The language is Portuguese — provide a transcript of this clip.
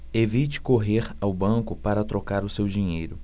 evite correr ao banco para trocar o seu dinheiro